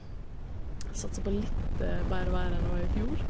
Satser på litt bedre vær enn det var i fjor.